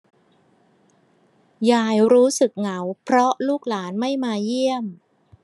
ยายรู้สึกเหงาเพราะลูกหลานไม่มาเยี่ยม